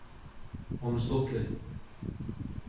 hon er stuttlig